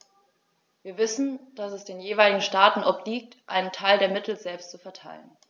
Wir wissen, dass es den jeweiligen Staaten obliegt, einen Teil der Mittel selbst zu verteilen.